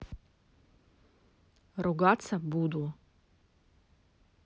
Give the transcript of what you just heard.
ругаться буду